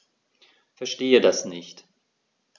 Verstehe das nicht.